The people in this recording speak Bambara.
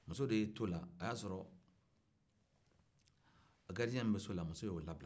muso de y'i t'o la o y'a sɔrɔ garidiyen min bɛ so la muso y'o labila